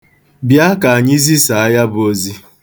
Bịa ka anyị zisaa ya bụ ozi.